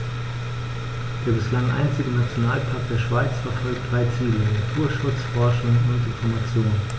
Der bislang einzige Nationalpark der Schweiz verfolgt drei Ziele: Naturschutz, Forschung und Information.